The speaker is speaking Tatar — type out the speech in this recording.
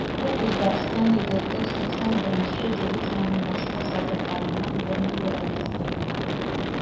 Бу Үзбәкстан егете 81 нче дивизиянең башка солдатларыннан берни белән дә аерылмый.